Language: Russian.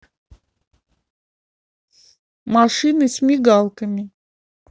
машины с мигалками